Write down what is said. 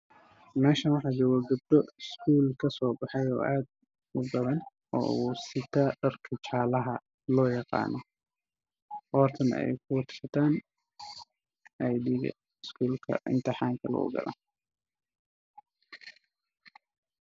Waa meel banaan iskuul gabdhaha ayaa socdaan wataan xijaabo jaalo ah oo fara badan